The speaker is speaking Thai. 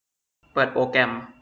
เปิดโปรแกรม